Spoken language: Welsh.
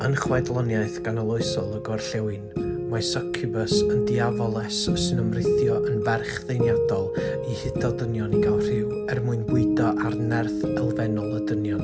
yn chwedloniaeth ganoloesol y Gorllewin, mae Succubus yn ddiafoles sy'n ymrithio yn ferch ddeniadol i hudo dynion i gael rhyw, er mwyn bwydo ar nerth elfennol y dynion.